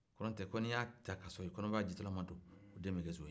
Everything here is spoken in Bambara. ko n'o tɛ ni y'a kasɔrɔ kɔnɔbarajitɔlama don ko den bɛ kɛ son ye